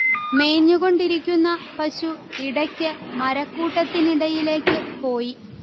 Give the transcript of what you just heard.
മേഞ്ഞുകൊണ്ടിരിക്കുന്ന പശു ഇടക്ക് മരക്കൂട്ടത്തിനിടയിലേക്ക് പോയി